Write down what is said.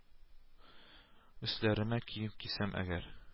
Өсләремә кием кисәм әгәр